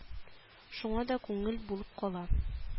Шуңа да күңел булып кала